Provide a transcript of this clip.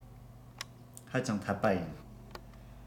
ཧ ཅང འཐད པ ཡིན